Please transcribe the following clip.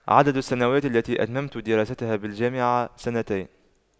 عدد السنوات التي أتممت دراستها بالجامعة سنتين